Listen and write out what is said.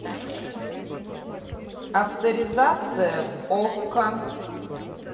авторизация в окко